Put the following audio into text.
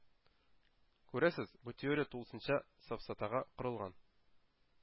Күрәсез, бу теория тулысынча сафсатага корылган.